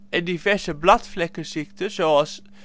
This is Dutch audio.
en diverse bladvlekkenziekten, zoals